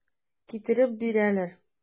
Китереп бирәләр.